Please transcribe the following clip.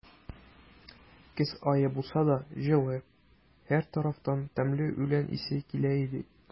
Көз ае булса да, җылы; һәр тарафтан тәмле үлән исе килә иде.